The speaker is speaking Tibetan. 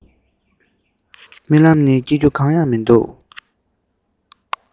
རྨི ལམ ནི སྐྱིད རྒྱུ གང ཡང མི འདུག